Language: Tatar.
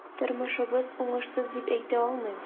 Тормышыбызны уңышсыз дип әйтә алмыйм.